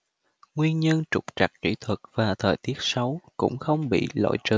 nguyên nhân trục trặc kỹ thuật và thời tiết xấu cũng không bị loại trừ